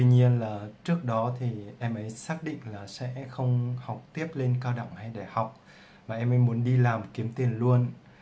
tuy nhiên trước đó em gái xác định sẽ không học tiếp lên cao đẳng hay đại học em ấy muốn đi làm kiếm tiền luôn